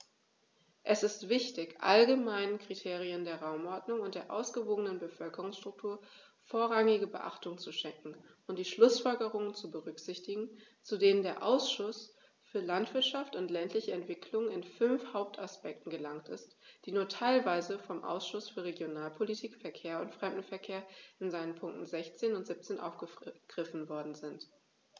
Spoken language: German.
Es ist wichtig, allgemeinen Kriterien der Raumordnung und der ausgewogenen Bevölkerungsstruktur vorrangige Beachtung zu schenken und die Schlußfolgerungen zu berücksichtigen, zu denen der Ausschuss für Landwirtschaft und ländliche Entwicklung in fünf Hauptaspekten gelangt ist, die nur teilweise vom Ausschuss für Regionalpolitik, Verkehr und Fremdenverkehr in seinen Punkten 16 und 17 aufgegriffen worden sind.